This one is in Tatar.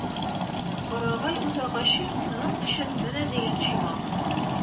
Карагай үзагачы моның өчен менә дигән чимал.